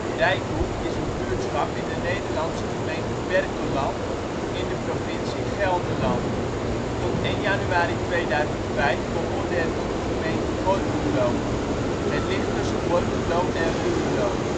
Dijkhoek is een buurtschap in de Nederlandse gemeente Berkelland in de provincie Gelderland. Tot 1 januari 2005 behoorde het tot de gemeente Borculo. Het ligt tussen Borculo en Ruurlo